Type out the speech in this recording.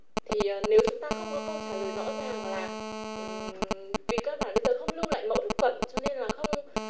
thì nếu chúng ta không có câu trả lời rõ ràng là ừ vì căn bản bây giờ không lưu lại mẫu thực phẩm cho nên là không